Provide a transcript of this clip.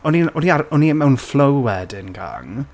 O'n i... o'n i ar... o'n i mewn flow wedyn, gang.